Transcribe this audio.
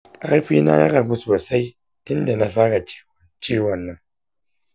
ƙarfina ya ragu sosai tinda na fara ciwon nan.